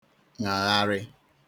ṅàgharị